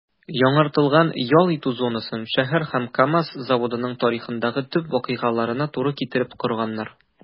Яңартылган ял итү зонасын шәһәр һәм КАМАЗ заводының тарихындагы төп вакыйгаларына туры китереп корганнар.